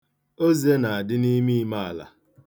Oze na-adị n'ime ime ala.